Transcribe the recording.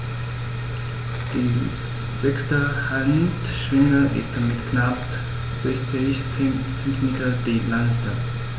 Die sechste Handschwinge ist mit knapp 60 cm die längste.